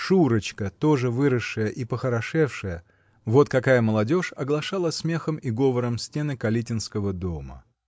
Шурочка, тоже выросшая и похорошевшая -- вот какая молодежь оглашала смехом и говором стены калитинекого дома.